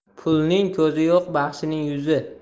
pulning ko'zi yo'q baxshining yuzi